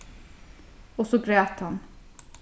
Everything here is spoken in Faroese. og so græt hann